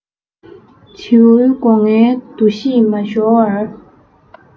བྱིའུ སྒོ ངའི འདུ ཤེས མ ཤོར བར